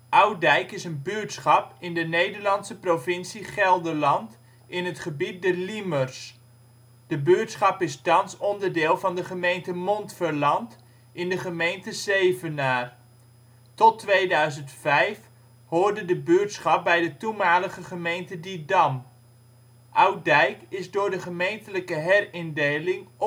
Oud-Dijk is een buurtschap in de Nederlandse provincie Gelderland, in het gebied de Liemers. De buurtschap is thans onderdeel van de gemeente Montferland en de gemeente Zevenaar. Tot 2005 hoorde de buurtschap bij de toenmalige gemeente Didam. Oud-Dijk is door de gemeentelijke herindeling